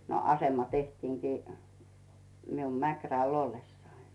no asema tehtiinkin minun Mäkrällä ollessani